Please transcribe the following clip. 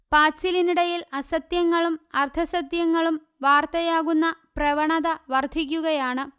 പാച്ചിലിനിടയിൽ അസത്യങ്ങളും അർധ സത്യങ്ങളും വാർത്തയാകുന്ന പ്രവണത വർധിക്കുകയാണ്